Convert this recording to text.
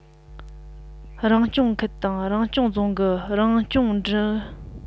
རང སྐྱོང ཁུལ དང རང སྐྱོང རྫོང གི རང སྐྱོང ཁྲིམས སྲོལ དང གཅིག སྤྱོད ཁྲིམས སྲོལ